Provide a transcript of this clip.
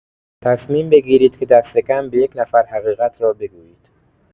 تصمیم بگیرید که دست‌کم به یک نفر حقیقت را بگویید.